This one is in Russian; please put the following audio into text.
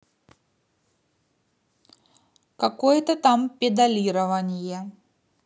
какое то там педалирование